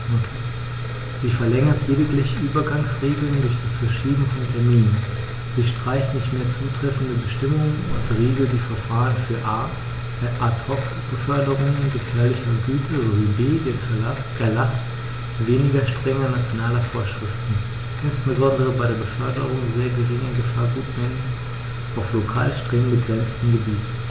Sie verlängert lediglich Übergangsregeln durch das Verschieben von Terminen, sie streicht nicht mehr zutreffende Bestimmungen, und sie regelt die Verfahren für a) Ad hoc-Beförderungen gefährlicher Güter sowie b) den Erlaß weniger strenger nationaler Vorschriften, insbesondere bei der Beförderung sehr geringer Gefahrgutmengen auf lokal streng begrenzten Gebieten.